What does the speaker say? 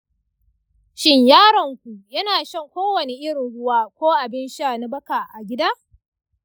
shin yaronku yana shan kowane irin ruwa ko abin sha na baka a gida?